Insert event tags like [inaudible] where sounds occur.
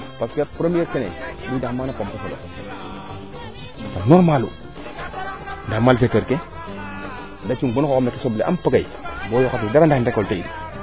parce que premier kene [unintelligible] a normalu nda malfaiteur ke de cung bom xoox sonle ampagay bo yoqate dara ndax recolté